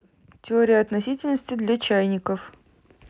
теория относительности для чайников